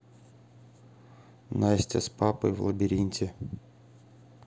настя с папой в лабиринте